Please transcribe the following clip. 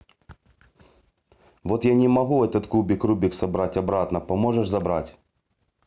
вот я не могу этот кубик рубик собрать обратно поможешь забрать